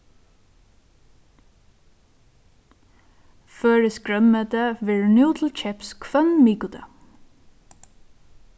føroyskt grønmeti verður nú til keyps hvønn mikudag